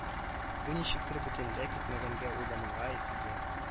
Бу ничектер бөтенләй көтмәгәндә уйламаганда әйтелде